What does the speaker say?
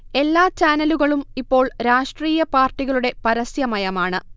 എല്ലാ ചാനലുകളും ഇപ്പോൾ രാഷ്ട്രീയ പാർട്ടികളുടെ പരസ്യ മയമാണ്